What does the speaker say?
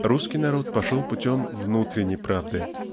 русский народ пошел путем "внутренней правды".